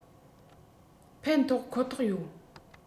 ཕན ཐོགས ཁོ ཐག ཡོད